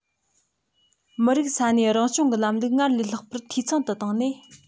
མི རིགས ས གནས རང སྐྱོང གི ལམ ལུགས སྔར ལས ལྷག པར འཐུས ཚང དུ བཏང ནས